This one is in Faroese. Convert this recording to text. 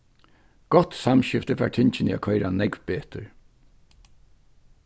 gott samskifti fær tingini at koyra nógv betur